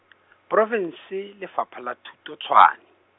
porofense Lefapha la Thuto Tshwane.